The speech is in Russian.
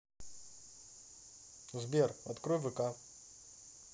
сбер открой вк